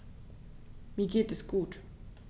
Mir geht es gut.